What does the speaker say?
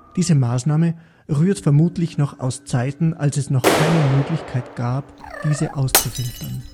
Diese Maßnahme rührt vermutlich noch aus Zeiten, als es noch keine Möglichkeit gab, diese auszufiltern